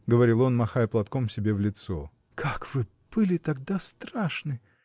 — говорил он, махая платком себе в лицо. — Как вы были тогда страшны!